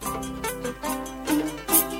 San